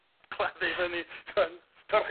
claddu i fyny t'mon torchi-...